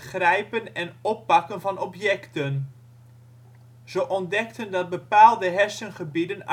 grijpen en oppakken van objecten. Ze ontdekten dat bepaalde hersengebieden